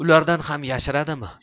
ulardan ham yashirdimi